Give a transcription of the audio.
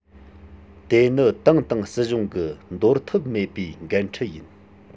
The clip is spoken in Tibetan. དེ ནི ཏང དང སྲིད གཞུང གི འདོར ཐབས མེད པའི འགན འཁྲི ཡིན